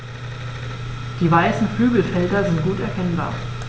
Die weißen Flügelfelder sind gut erkennbar.